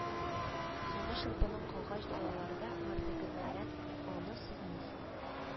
Соңгы шырпың калгач далаларда гарьлегеңнән аны сызмыйсың